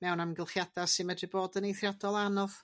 mewn amgylchiada sy'n medru bod yn eithriadol anodd.